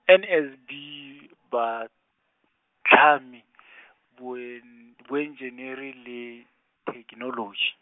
N S B , batlhami , boen-, boenjeniri le , thekenoloji.